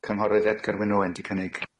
Yy cynghorydd Edgar Wyn Owen 'di cynnig.